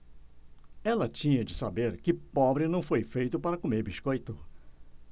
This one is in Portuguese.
ela tinha de saber que pobre não foi feito para comer biscoito